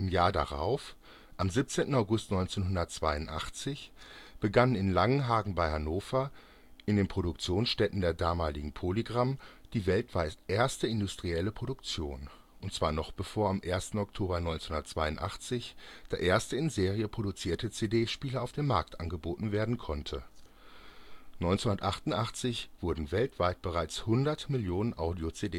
Jahr darauf, am 17. August 1982, begann in Langenhagen bei Hannover, in den Produktionsstätten der damaligen Polygram, die weltweit erste industrielle Produktion, und zwar noch bevor am 1. Oktober 1982 der erste in Serie produzierte CD-Spieler auf dem Markt angeboten werden konnte. 1988 wurden weltweit bereits 100 Millionen Audio-CDs